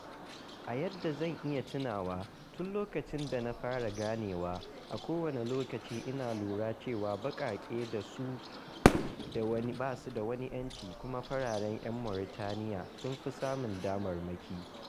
A yadda zan iya tunawa, tun lokacin da na fara ganewa, a kowane lokaci ina lura cewa baƙaƙe ba su da wani 'yanci, kuma fararen 'yan Mauritaniya sun fi samun damarmaki.